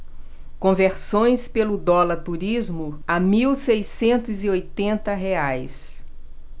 conversões pelo dólar turismo a mil seiscentos e oitenta reais